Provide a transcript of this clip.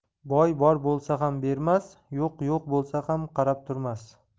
boy bor bo'lsa ham bermas yo'q yo'q bo'lsa ham qarab turmas